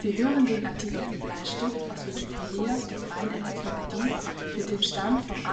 hören den Artikel Bleistift, aus Wikipedia, der freien Enzyklopädie. Mit dem Stand vom